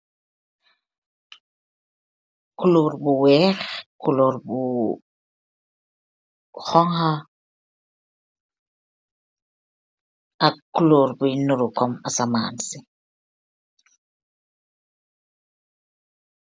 Coloor bu weeh, coloor bu hauha ak coloor buye nuru kom asamansi.